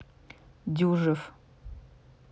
дюжев